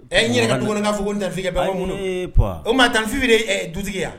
Ɛ n yɛrɛ ka dumuni k'a fɔ tɛfe minnu o ma taafibi du yan